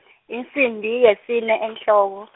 insimbi, yesine enhloko.